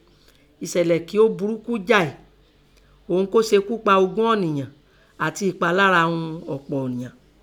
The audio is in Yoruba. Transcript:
Eṣẹ̀lẹ̀ kí ọ́ burúkú jáì ọ̀ún kó sekú pa ogún ọ̀nìyàn àti ẹ̀palára ún ọ̀pọ̀ ọ̀ǹyàn.